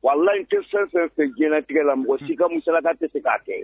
Walaye in tɛ fɛn fɛn fɛ diɲɛtigɛ la mɔgɔ si ka musalada tɛ se k'a kɛ